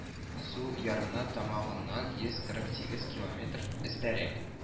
Сул ярына тамагыннан йөз кырык сигез километр өстәрәк